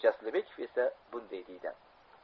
jaslibekov esa bunday deydi